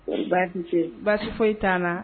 Baasi baasi foyi i t na